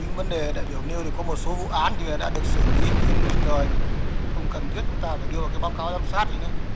những vấn đề đại biểu nêu có một số vụ án đã được xử lý nghiêm minh rồi không cần thiết chúng ta phải đưa vào các báo cáo giám sát nữa